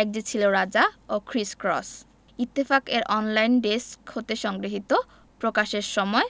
এক যে ছিল রাজা ও ক্রিস ক্রস ইত্তেফাক এর অনলাইন ডেস্ক হতে সংগৃহীত প্রকাশের সময়